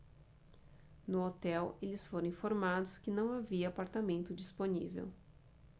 no hotel eles foram informados que não havia apartamento disponível